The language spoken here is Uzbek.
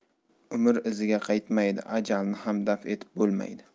umr iziga qaytmaydi ajalni ham daf etib bo'lmaydi